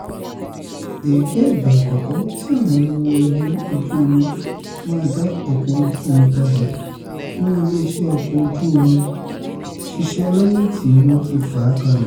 Èyí jẹ ìgbà àkọ́kọ́ tí Àwọn ọ́mọ ogun ojú omi máa dá ọkọ̀ ojú omi padà fún ilé iṣẹ́ ọkọ̀ ojú omi ṣiṣe lẹ́yìn tí wọn ti fà á kalẹ̀.